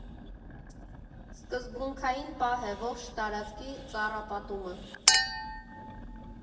Սկզբունքային պահ է ողջ տարածքի ծառապատումը.